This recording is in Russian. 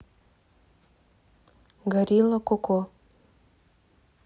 горилла коко